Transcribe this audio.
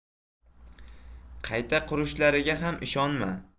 qayta qurishlariga ham ishonma